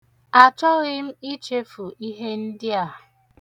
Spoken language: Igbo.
Achọghị m ichefu ihe ndị a.